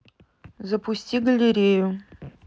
запусти галерею